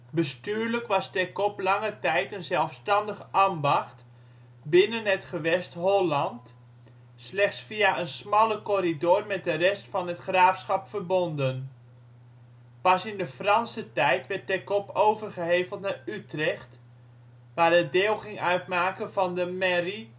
Bestuurlijk was Teckop lange tijd een zelfstandig ambacht binnen het gewest Holland, slechts via een smalle corridor met de rest van het graafschap verbonden. Pas in de Franse tijd werd Teckop overgeheveld naar Utrecht, waar het deel ging uitmaken van de mairie